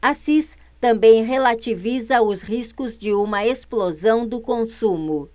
assis também relativiza os riscos de uma explosão do consumo